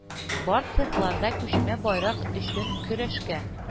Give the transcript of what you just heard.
Бар цехлар да күчмә байрак өчен көрәшкә